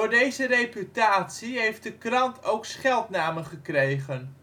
deze reputatie heeft de krant ook scheldnamen gekregen